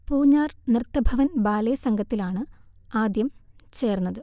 Poonjar Nrithabhavan ballet സംഘത്തിലാണ് ആദ്യം ചേർന്നത്